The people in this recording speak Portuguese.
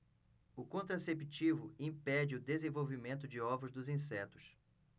o contraceptivo impede o desenvolvimento de ovos dos insetos